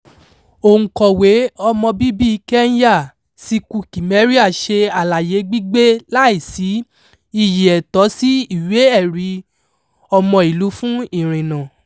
Òǹkọ̀wée ọmọbíbíi Kenya Ciku Kimeria ṣe àlàyé gbígbé láìsí iyì "ẹ̀tọ́ sí ìwé-ẹ̀rí-ọmọìlú-fún-ìrìnnà".